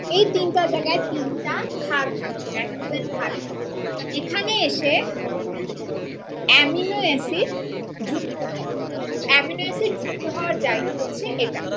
এই তিনটা জায়গায় তিনটা ক্ষার থাকবে নাইট্রোজেন ক্ষার থাকবে এখানে এসে অ্যামিনো এসিড যুক্ত হবে অ্যামিনো এসিড যুক্ত হওয়ার জায়গা হচ্ছে এটা